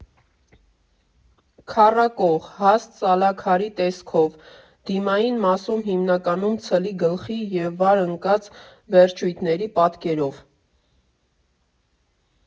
Քառակող, հաստ սալաքարի տեսքով, դիմային մասում հիմնականում ցլի գլխի և վար ընկած վերջույթների պատկերով։